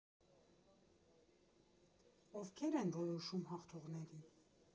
Ովքե՞ր են որոշում հաղթողներին։